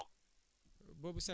ñoom ñoo